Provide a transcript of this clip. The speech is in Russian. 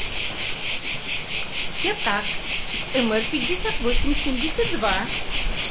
я так mr пятьдесят восемь семьдесят два